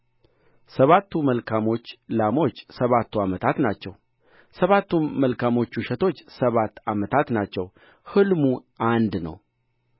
ሰባቱ መልካካሞች ላሞች ሰባት ዓመታት ናቸው ሰባቱም መልካካሞች እሸቶች ሰባት ዓመታት ናቸው ሕልሙ አንድ ነው